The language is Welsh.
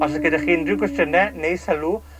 Os o's gyda chi unryw gwestiyne neu sylw,